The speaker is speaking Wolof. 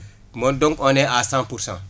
mooy donc on est à cent pour cent